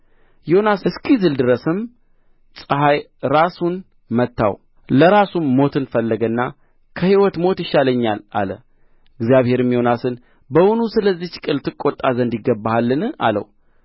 ዮናስ እስኪዝል ድረስም ፀሐይ ራሱን መታው ለራሱም ሞትን ፈለገና ከሕይወት ሞት ይሻለኛል አለ እግዚአብሔርም ዮናስን በውኑ ስለዚች ቅል ትቈጣ ዘንድ ይገባሃልን አለው